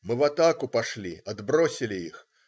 Мы в атаку пошли, отбросили их.